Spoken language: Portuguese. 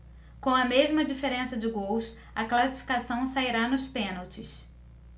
com a mesma diferença de gols a classificação sairá nos pênaltis